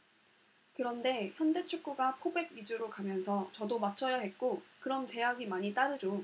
그런데 현대축구가 포백 위주로 가면서 저도 맞춰야 했고 그럼 제약이 많이 따르죠